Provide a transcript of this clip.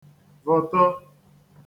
vòto